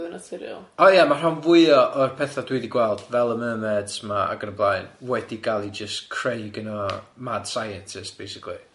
O ia ma' rhan fwya o'r petha dwi di gweld fel y mermaids ma ac yn y blaen wedi ga'l i jyst creu gynna mad scientist basically.